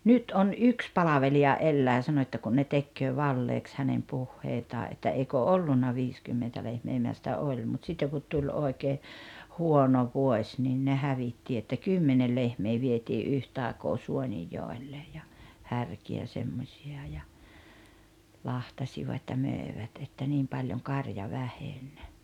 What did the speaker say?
nyt on yksi palvelija elää sanoo että kun ne tekee valheeksi hänen puheitaan että eikä ollut viisikymmentä lehmää minä sanoin että oli mutta sitten kun tuli oikein huono vuosi niin ne hävitti että kymmenen lehmää vietiin yhtä aikaa Suonenjoelle ja härkiä semmoisia ja lahtasivat ja myivät että niin paljon karja väheni